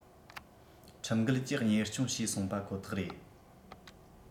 ཁྲིམས འགལ གྱིས གཉེར སྐྱོང བྱས སོང པ ཁོ ཐག རེད